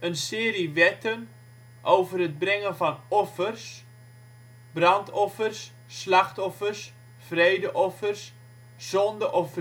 serie wetten over het brengen van offers: brandoffers, slachtoffers, vredeoffers, zonde - of